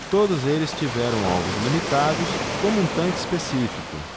todos eles tiveram alvos limitados como um tanque específico